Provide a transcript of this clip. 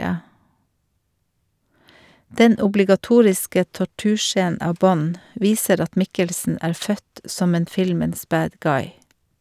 Den obligatoriske torturscenen av Bond viser at Mikkelsen er født som en filmens «bad guy».